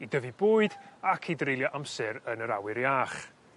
i dyfu bwyd ac i dreulio amser yn yr awyr iach.